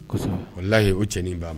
O layi o cɛnin nin ba